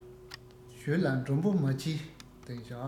ཞོལ ལ མགྲོན པོ མ མཆིས